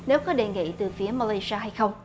nếu có đề nghị từ phía mơ lai xi a hay không